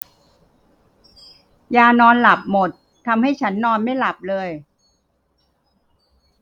ยานอนหลับหมดทำให้ฉันนอนไม่หลับเลย